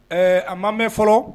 Ɛɛ a ma mɛn fɔlɔ